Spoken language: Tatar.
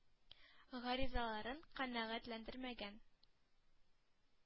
Гаризаларын канәгатьләндермәгән.